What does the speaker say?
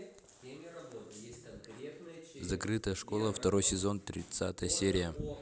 закрытая школа второй сезон тринадцатая серия